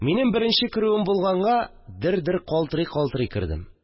Минем беренче керүем булганга, дер-дер калтырый-калтырый кердем